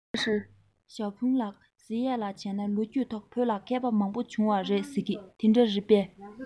ཞའོ ཧྥུང ལགས ཟེར ཡས ལ བྱས ན ལོ རྒྱུས ཐོག བོད ལ མཁས པ མང པོ བྱུང བ རེད ཟེར གྱིས དེ འདྲ རེད པས